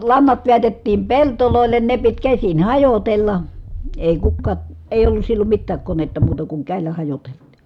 lannat vedätettiin pelloille ne piti käsin hajotella ei kukaan ei ollut silloin mitään konetta muuta kuin käsillä hajoteltiin